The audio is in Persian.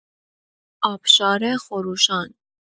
آبشار خروشان